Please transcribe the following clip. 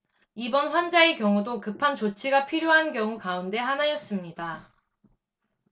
이번 환자의 경우도 급한 조치가 필요한 경우 가운데 하나였습니다